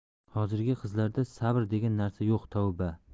hozirgi qizlarda sabr degan narsa yo'q tavba